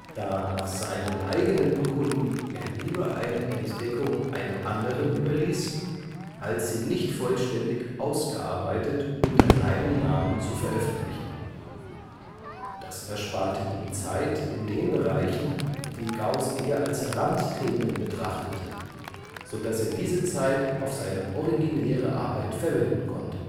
da nach seinem eigenen Bekunden er lieber eine Entdeckung einem anderen überließ, als sie nicht vollständig ausgearbeitet unter seinem Namen zu veröffentlichen. Das ersparte ihm Zeit in den Bereichen, die Gauß eher als Randthemen betrachtete, so dass er diese Zeit auf seine originäre Arbeit verwenden konnte